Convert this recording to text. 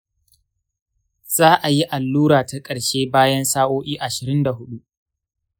za a yi allura ta ƙarshe bayan sa'o'i ashirin da huɗu.